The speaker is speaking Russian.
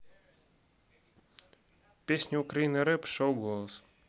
песня украина реп шоу голос